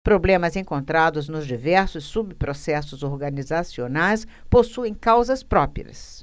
problemas encontrados nos diversos subprocessos organizacionais possuem causas próprias